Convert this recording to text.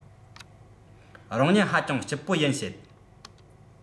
རང ཉིད ཧ ཅང སྐྱིད པོ ཡིན བཤད